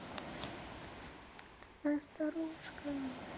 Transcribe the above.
ты моя старушка